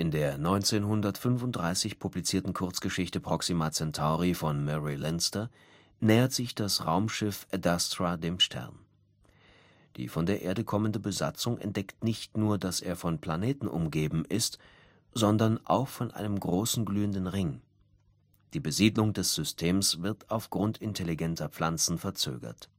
der 1935 publizierten Kurzgeschichte „ Proxima Centauri “von Murray Leinster nähert sich das Raumschiff Adastra dem Stern. Die von der Erde kommende Besatzung entdeckt nicht nur, dass er von Planeten umgeben ist, sondern auch von einem großen glühenden Ring. Die Besiedelung des Systems wird aufgrund intelligenter Pflanzen verzögert